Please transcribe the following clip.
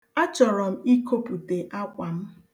A chọrọ m ikopute akwa m.